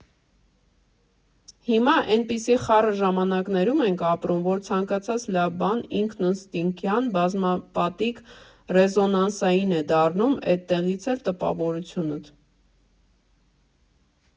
Հիմա էնպիսի խառը ժամանակներում ենք ապրում, որ ցանկացած լավ բան ինքնըստինքյան բազմապատիկ ռեզոնանսային է դառնում, էդտեղից էլ տպավորությունդ։